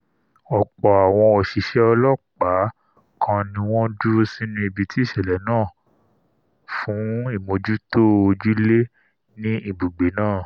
ọ̀ṕọ̀́ àwọn òṣìṣe ọlọ́ọ̀pá ̣́ kan ni wọ́n dúró sínú ibití ìṣẹlẹ naa fun ìmójútó ojúle ní ìbùgbé náà.